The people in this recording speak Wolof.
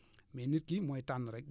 mais nit ki mooy tànn rek